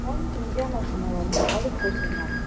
Юлдан төнгә машиналарны алып куйсыннар.